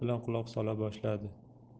bilan quloq sola boshladi